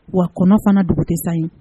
Wa kɔnɔ fana dugu sa yen